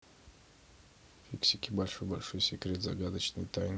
фиксики большой большой секрет загадочные тайны